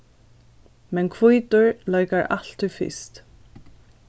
men hvítur leikar altíð fyrst